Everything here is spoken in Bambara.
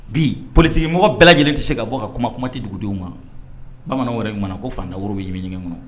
Bi politigimɔgɔ bɛɛ lajɛlen tɛ se ka bɔ ka kuma kuma tɛ dugudenw ma bamananw wɛrɛ ma ko fantan woro bɛ' bɛ ɲini kɔnɔ